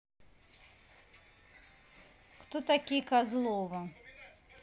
кто такие козлова